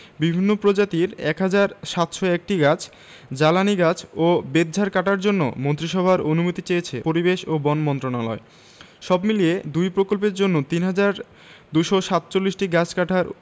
বিভিন্ন প্রজাতির ১ হাজার ৭০১টি গাছ জ্বালানি গাছ ও বেতঝাড় কাটার জন্য মন্ত্রিসভার অনুমতি চেয়েছে পরিবেশ ও বন মন্ত্রণালয় সবমিলিয়ে দুই প্রকল্পের জন্য ৩হাজার ২৪৭টি গাছ কাটার